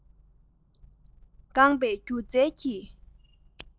འགངས པའི སྒྱུ རྩལ གྱི